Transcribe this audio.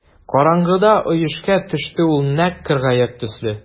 Караңгыда юешкә төште ул нәкъ кыргаяк төсле.